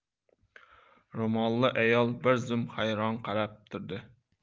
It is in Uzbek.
ro'molli ayol bir zum hayron qarab turdi